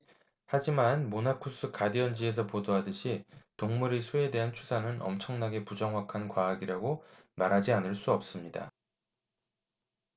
하지만 모나쿠스 가디언 지에서 보도하듯이 동물의 수에 대한 추산은 엄청나게 부정확한 과학이라고 말하지 않을 수 없습니다